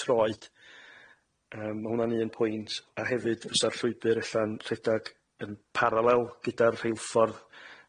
troed yym ma' hwnna'n un pwynt a hefyd fysa'r llwybyr ella'n rhedag yn paralel gyda'r rheilffordd.